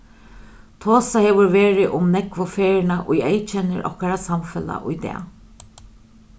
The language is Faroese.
tosað hevur verið um nógvu ferðina ið eyðkennir okkara samfelag í dag